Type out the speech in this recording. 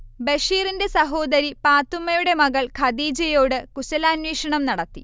ബഷീറിന്റെ സഹോദരി പാത്തുമ്മയുടെ മകൾ ഖദീജയോട് കുശലാന്വേഷണം നടത്തി